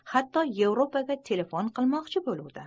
hatto yevropaga telefon qilmoqchi bo'luvdi